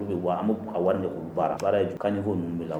Wa an wari baara baara kanko ninnu bɛ la